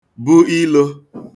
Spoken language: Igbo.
lo ilō